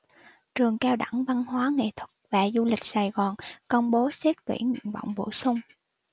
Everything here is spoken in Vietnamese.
trường cao đẳng văn hóa nghệ thuật và du lịch sài gòn công bố xét tuyển nguyện vọng bổ sung